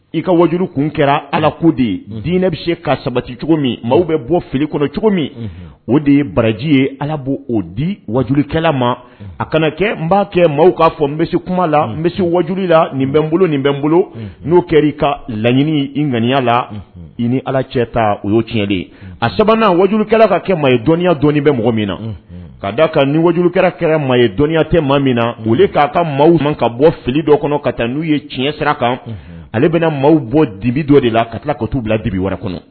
I ka wajuuru kun kɛra ala ko de ye diinɛ bɛ se ka sabati cogo min maa bɛ bɔ fili kɔnɔ cogo min o de ye baraji ye alabu o di wajukɛla ma a kana kɛ n b'a kɛ maaw k kaa fɔ n bɛ kuma la n misi waju la nin bɛ bolo nin bɛ n bolo n'o kɛra i ka laɲini i ŋaniya la i ni ala cɛ ta o ye tiɲɛ de ye a sabanan wajukɛla ka kɛ ye dɔnniya dɔn bɛ mɔgɔ min na ka daa ka nin waju kɛra kɛra maa ye dɔnniya tɛ maa min na boli k'a ka maaw kan ka bɔ fili dɔ kɔnɔ ka taa n'u ye tiɲɛ sira kan ale bɛna maaw bɔ dibi dɔ de la ka tila ka t tuu bila dibi wara wɛrɛ kɔnɔ